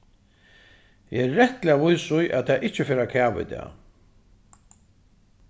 eg eri rættiliga vís í at tað ikki fer at kava í dag